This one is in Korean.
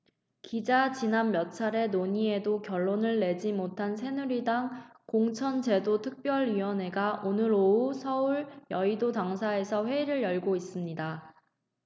기자 지난 몇 차례 논의에도 결론을 내지 못한 새누리당 공천제도특별위원회가 오늘 오후 서울 여의도 당사에서 회의를 열고 있습니다